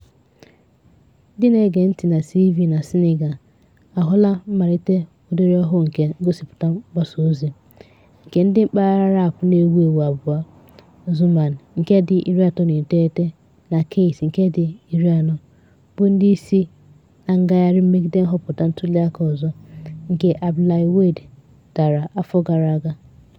Ndị na-ege ntị na TV na Senegal ahụla mmalite ụdị ọhụrụ nke ngosịpụta mgbasaozi, nke ndị mpaghara raapụ na-ewu ewu abụọ Xuman (39) na Keyti (40) bụ ndị isi na ngagharị mmegide nhọpụta ntuliaka ọzọ nke Abdoulaye Wade dara afọ gara aga.